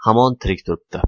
hamon tirik turibdi